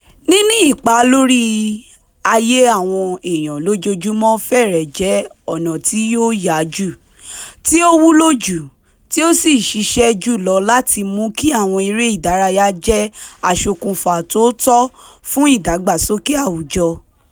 Níní ipa lórí ayé àwọn èèyàn lójoojúmọ́ fẹ́rẹ̀ jẹ́ ọ̀nà tí ó yá jù, tí ó wúlò jù, tí ó sì ṣiṣẹ́ jùlọ láti mú kí àwọn eré ìdárayá jẹ́ aṣokùnfà tòótọ́ fún ìdàgbàsókè àwùjọ.